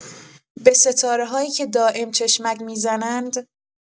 به ستاره‌هایی که دائم چشمک می‌زنند.